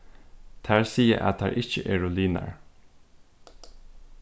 tær siga at tær ikki eru linar